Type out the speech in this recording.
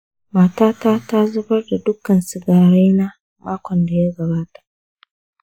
matata ta zubar da dukkan sigaraina a makon da ya gabata.